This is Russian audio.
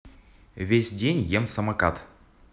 весь день ем самокат